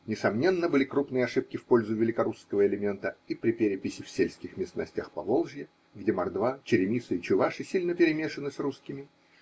Несомненно, были крупные ошибки в пользу великорусского элемента и при переписи в сельских местностях Поволжья, где мордва, черемисы и чуваши сильно перемешаны с русскими.